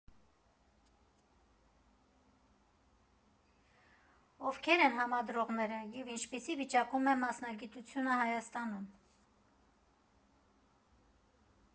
Ովքեր են համադրողները և ինչպիսի վիճակում է մասնագիտությունը Հայաստանում։